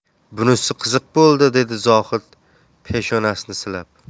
bunisi qiziq bo'ldi dedi zohid peshonasini silab